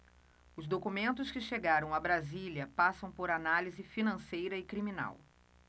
os documentos que chegaram a brasília passam por análise financeira e criminal